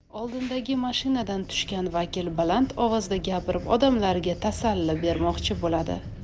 oldindagi mashinadan tushgan vakil baland ovozda gapirib odamlarga tasalli bermoqchi bo'ladi